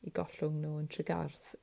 i gollwng nw yn tregarth